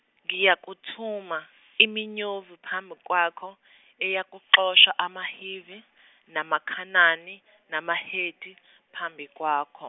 ngiyakuthuma iminyovu phambi kwakho, eyakuxosha amaHivi namaKhanani namaHeti phambi kwakho.